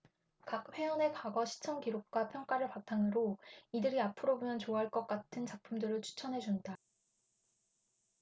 각 회원의 과거 시청 기록과 평가를 바탕으로 이들이 앞으로 보면 좋아할 것 같은 작품들을 추천해 준다